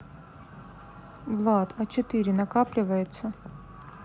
влад а четыре накапливается